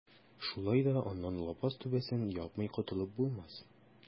Шулай да аннан лапас түбәсен япмый котылып булмас.